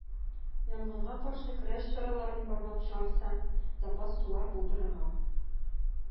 Янгынга каршы көрәш чараларын барлап чыгарга, запас сулар булдырырга.